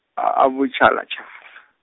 a a botjhalatjhala.